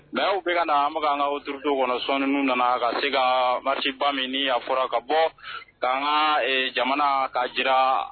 Mais aw kɛ ka na ma kan ka suruso kɔnɔ sɔnin nana ka se ka masiba min a fɔra ka bɔ ka' ka jamana ka jira